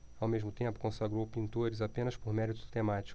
ao mesmo tempo consagrou pintores apenas por mérito temático